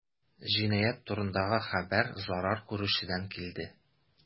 Җинаять турындагы хәбәр зарар күрүчедән килде.